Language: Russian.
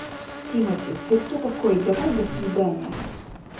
тимати ты кто такой давай до свидания